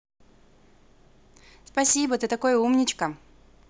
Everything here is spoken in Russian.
спасибо ты такой умничка